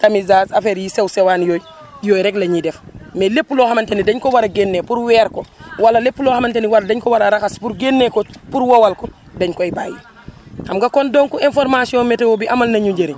tamisage affaire yu sew sewaan yooyu yooyu rek la ñuy def mais lépp loo xamante ni dañ ko war a génne pour weer ko wala lépp loo xamante ni wala dañu ko war a raxas pour génnee ko por wowal ko dañ koy bàyyi xam nga kon donc information météo bi amal nañu njëriñ